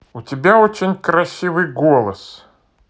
у тебя очень красивый голос